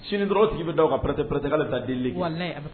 Sini dɔrɔn o tigi bi da o kan pɛrɛtɛ pɛrɛtɛ kale bi taa delili kɛ. Walaye